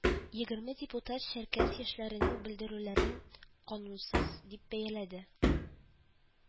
Егерме депутат чәркәс яшьләренең белдерүләрен канунсыз дип бәяләде